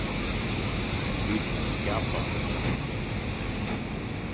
vit skapa hetta